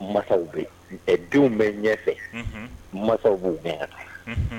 Masaw be ye ɛ denw bɛ ɲɛfɛ unhun masaw b'u ɲɛ ka taa unhun